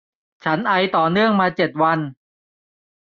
ฉันไอต่อเนื่องมาเจ็ดวัน